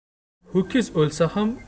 ho'kiz o'lsa ham